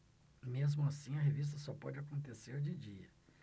mesmo assim a revista só pode acontecer de dia